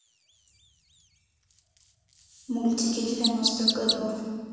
мультики девяностых годов